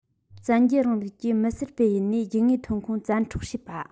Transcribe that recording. བཙན རྒྱལ རིང ལུགས ཀྱིས མི སེར སྤེལ ཡུལ ནས རྒྱུ དངོས ཐོན ཁུངས བཙན འཕྲོག བྱེད པ